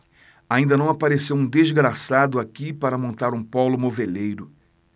ainda não apareceu um desgraçado aqui para montar um pólo moveleiro